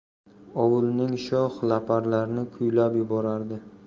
ovulning sho'x laparlarini kuylab yuborardi